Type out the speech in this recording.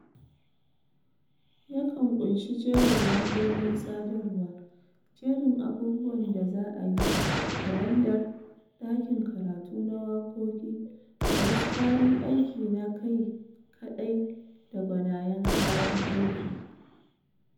Yakan ƙunshi jerin lambobin sadarwa, jerin abubuwan da za’a yi, kalandar, ɗakin karatu na wakoki da wasu kayan aiki na kai kadai da gwanayen kayan aiki.